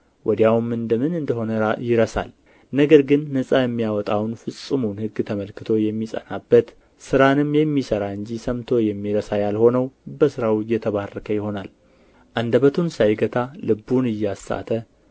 ወዲያውም እንደ ምን እንደ ሆነ ይረሳል ነገር ግን ነጻ የሚያወጣውን ፍጹሙን ሕግ ተመልክቶ የሚጸናበት ሥራንም የሚሠራ እንጂ ሰምቶ የሚረሳ ያልሆነው በሥራው የተባረከ ይሆናል አንደበቱን ሳይገታ ልቡን እያሳተ